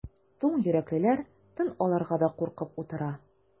Туң йөрәклеләр тын алырга да куркып утыра.